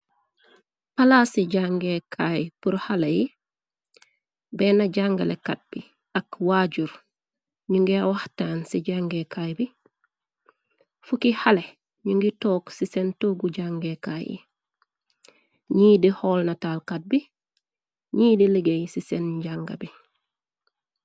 Palaa ci jangeekaay pur xalé yi benn jàngalekat bi ak waajur ñu ngi waxtaan ci jangeekaay bi fukki xalé ñu ngi toog ci seen toggu jangekaay yi ñii di xool natalkat bi ñi di liggéey ci seen njanga bi.